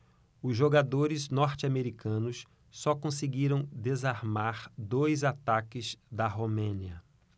os jogadores norte-americanos só conseguiram desarmar dois ataques da romênia